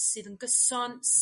sydd yn gyson sydd